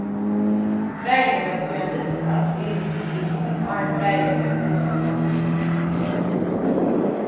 fræini verða síðan ristað til ymisk stig áðrenn fræini verða bryggjað til kaffi